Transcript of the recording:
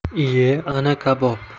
iye ana kabob